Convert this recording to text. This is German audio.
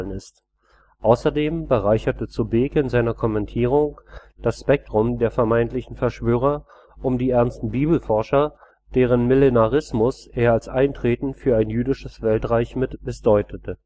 ist “. Außerdem bereicherte zur Beek in seiner Kommentierung das Spektrum der vermeintlichen Verschwörer um die Ernsten Bibelforscher, deren Millenarismus er als Eintreten für ein jüdisches Weltreich missdeutete